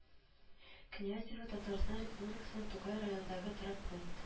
Князево Татарстан Республикасының Тукай районындагы торак пункт